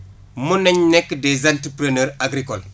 mën nañ nekk des entrepreneurs agricoles